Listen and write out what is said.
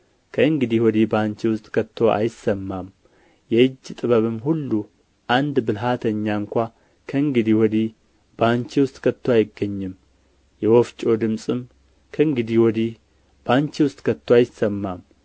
ከእንግዲህ ወዲህ በአንቺ ውስጥ ከቶ አይሰማም የእጅ ጥበብም ሁሉ አንድ ብልሃተኛ እንኳ ከእንግዲህ ወዲህ በአንቺ ውስጥ ከቶ አይገኝም የወፍጮ ድምጽም ከእንግዲህ ወዲህ በአንቺ ውስጥ ከቶ አይሰማም